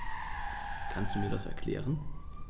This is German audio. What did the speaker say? Kannst du mir das erklären?